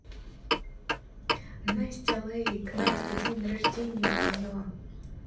nastya like nastya день рождения у нее